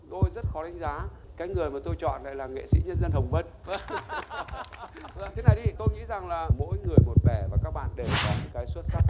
tôi rất khó đánh giá cái người mà tôi chọn lại là nghệ sĩ nhân dân hồng vân vầng thế này đi tôi nghĩ rằng là mỗi người một vẻ và các bạn đều có những cái xuất sắc